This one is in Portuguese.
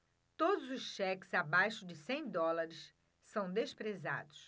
todos os cheques abaixo de cem dólares são desprezados